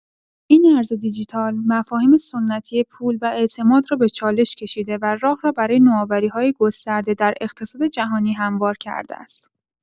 این ارز دیجیتال، مفاهیم سنتی پول و اعتماد را به چالش کشیده و راه را برای نوآوری‌های گسترده در اقتصاد جهانی هموار کرده است.